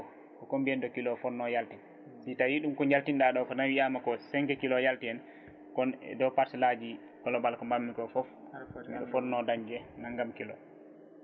ko combien de kilo fonno yaltude so tawi ɗum ko jaltinɗa ɗo ko nawi wiyama ko cinq kilos yalti hen kon e dow parcelle aji globale ko mbanmi ko foof mbiɗa fonno dañde nagam kilo